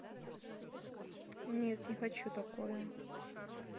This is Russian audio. нет не хочу такое